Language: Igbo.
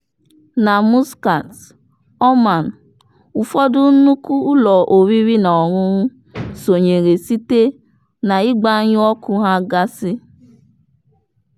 Na Muscat, Oman, ụfọdụ nnukwu ụlọ oriri na ọñụñụ sonyere site na-ịgbanyu ọkụ ha gasị.